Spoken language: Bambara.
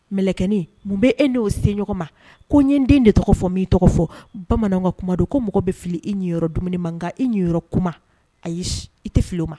Mkɛ mun bɛ e n'o se ɲɔgɔn ma ko ɲɛ den de tɔgɔ fɔ min tɔgɔ fɔ bamanan ka kuma don ko mɔgɔ bɛ fili i ni yɔrɔ dumuni man kan i ni yɔrɔ kuma a' i tɛ fili o ma